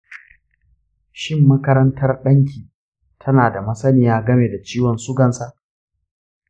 shin makarantar ɗanki tana da masaniya game da ciwon sugan sa?